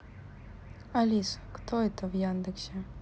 алиса кто это в яндексе